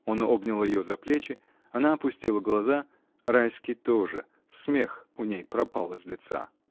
Он обнял ее за плечи: она опустила глаза, Райский тоже смех у ней пропал из лица.